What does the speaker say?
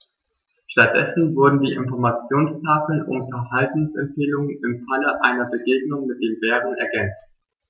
Stattdessen wurden die Informationstafeln um Verhaltensempfehlungen im Falle einer Begegnung mit dem Bären ergänzt.